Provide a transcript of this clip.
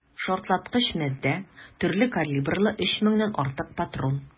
Шартлаткыч матдә, төрле калибрлы 3 меңнән артык патрон.